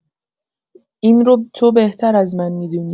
این رو تو بهتر از من می‌دونی.